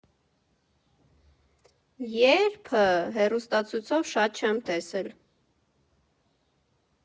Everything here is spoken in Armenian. Ե՞րբ»֊ը հեռուստացույցով շատ չեմ տեսել.